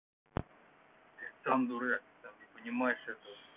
ты сам дурак сам не понимаешь этого